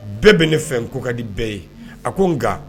Bɛɛ bɛ ne fɛn ko ka di bɛɛ ye a ko nka